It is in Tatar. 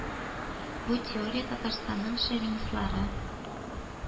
Бу теория татарстанның шовинистлары,